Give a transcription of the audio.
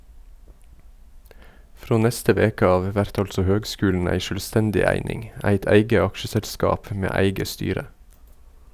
Frå neste veke av vert altså høgskulen ei sjølvstendig eining , eit eige aksjeselskap med eige styre.